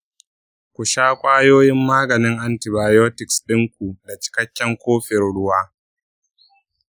ku sha kwayoyin maganin antibiotics ɗinku da cikakken kofin ruwa.